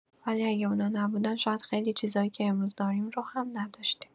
ولی اگه اونا نبودن، شاید خیلی چیزایی که امروز داریم رو هم نداشتیم.